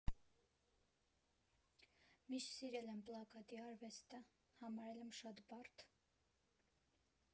Միշտ սիրել եմ պլակատի արվեստը, համարել եմ շատ բարդ։